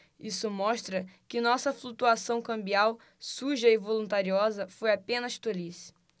isso mostra que nossa flutuação cambial suja e voluntariosa foi apenas tolice